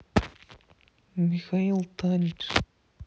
михаил танич